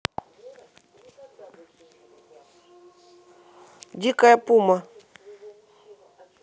дикая пума